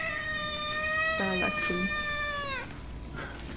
bara eitt sindur